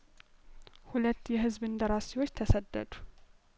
ሁለት የህዝብ እንደራሴዎች ተሰደዱ